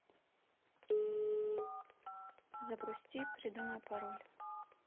запусти придумай пароль